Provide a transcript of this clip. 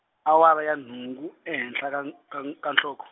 awara ya nhungu, ehenhla ka n- ka n-, ka nhloko.